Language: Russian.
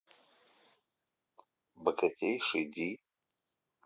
богатейший ди